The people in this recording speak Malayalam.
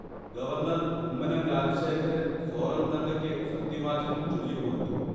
ഗവർണർ കുമ്മനം രാജശേഖരൻ സോറംതങ്കയ്ക്ക് സത്യവാചകം ചൊല്ലിക്കൊടുത്തു